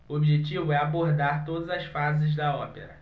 o objetivo é abordar todas as fases da ópera